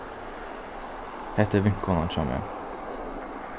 hetta er vinkonan hjá mær